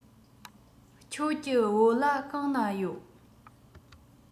ཁྱོད ཀྱི བོད ལྭ གང ན ཡོད